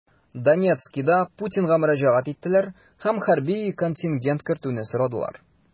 Донецкида Путинга мөрәҗәгать иттеләр һәм хәрби контингент кертүне сорадылар.